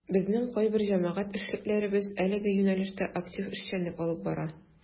Безнең кайбер җәмәгать эшлеклеләребез әлеге юнәлештә актив эшчәнлек алып бара.